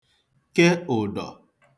ke ụdọ